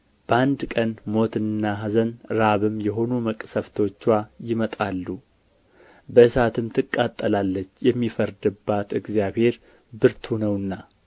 በአንድ ቀን ሞትና ኀዘን ራብም የሆኑ መቅሰፍቶችዋ ይመጣሉ በእሳትም ትቃጠላለች የሚፈርድባት እግዚአብሔር ብርቱ ነውና